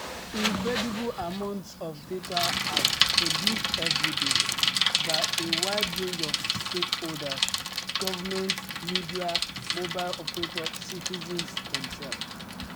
Incredible amounts of data are produced every day, by a wide range of stakeholders: governments, media, mobile operators, citizens themselves.